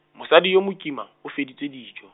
mosadi yo mokima, o feditse dijo.